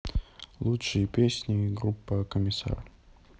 лучшие песни группа комиссар